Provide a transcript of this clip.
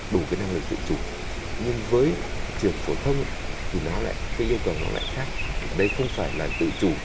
đủ năng lực tự chủ nhưng với trường phổ thông thì nó lại cái yêu cầu nó lại khác đây không phải là tự chủ